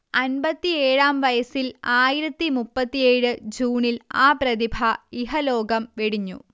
അൻപത്തിയേഴാം വയസ്സിൽ ആയിരത്തി മുപ്പത്തിയേഴ് ജൂണിൽ ആ പ്രതിഭ ഇഹലോകം വെടിഞ്ഞു